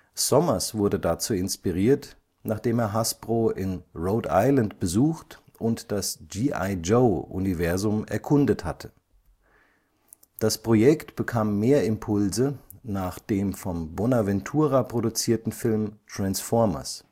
Sommers wurde dazu inspiriert, nachdem er Hasbro in Rhode Island besucht und das „ G.I.-Joe “- Universum erkundet hatte. Das Projekt bekam mehr Impulse nach dem von Bonaventura produziertem Film Transformers